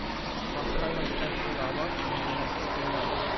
toqqa yog'sa cho'l obod cho'lga yog'sa el obod